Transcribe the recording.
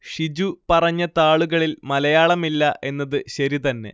ഷിജു പറഞ്ഞ താളുകളിൽ മലയാളമില്ല എന്നത് ശരി തന്നെ